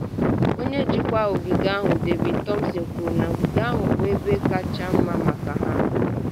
Onye njikwa ogige ahụ David Thompson kwuru na ogige ahụ bụ ebe kacha mma maka ha.